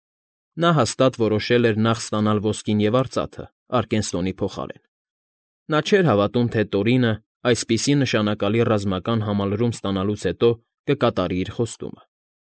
Նա հաստատ որոշել էր նախ ստանալ ոսկին և արծաքը Արկենստոնի փոխարեն. նա չէր հավատում, թե Տորինը այսպիսի նշանակալի ռազմական համալրում ստանալուց հետո կկատարի իր խոստումը։